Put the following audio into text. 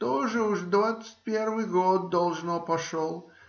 тоже уж двадцать первый год, должно, пошел.